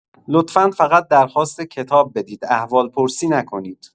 لطفا فقط درخواست کتاب بدید احوالپرسی نکنید.